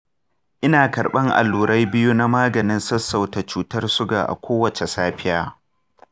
ina karɓar allurai biyu na maganin sassauta cutar suga a kowace safiya.